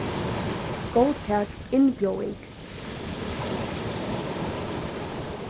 góðtak innbjóðing